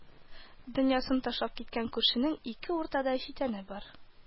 Дөньясын ташлап киткән күршенең ике уртада читәне бар